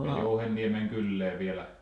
ja Jouhenniemen kylää vielä